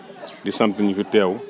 di sant ñi fi teel